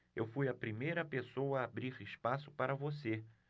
eu fui a primeira pessoa a abrir espaço para você